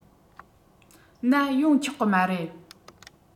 ན ཡོང ཆོག གི མ རེད